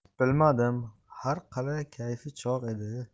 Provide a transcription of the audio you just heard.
bilmadim har qalay kayfi chog' edi